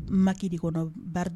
Maki de ko don, bar